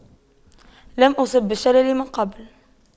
لم أصب بشلل من قبل